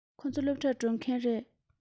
ཁོ ཚོ སློབ གྲྭར འགྲོ མཁན རེད